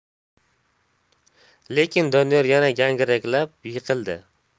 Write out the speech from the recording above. lekin doniyor yana gandiraklab yiqildi